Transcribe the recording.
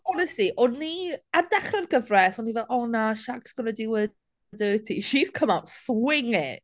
Honestly, o'n i... ar dechrau'r gyfres, o'n i fel, o na, Shaq's going to do her dirty. She's come out swinging.